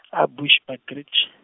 a Bushbuckridge.